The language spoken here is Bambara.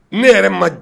Ne yɛrɛ ma